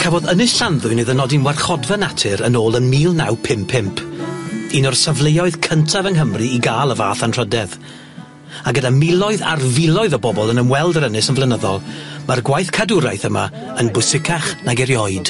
Cafodd Ynys Llanddwyn ei ddynodi'n warchodfa natur yn ôl yn mil naw pump pump, un o'r safleoedd cyntaf yng Nghymru i ga'l y fath anrhydedd, a gyda miloedd ar filoedd o bobol yn ymweld yr Ynys yn flynyddol, ma'r gwaith cadwraeth yma yn bwysicach nag erioed.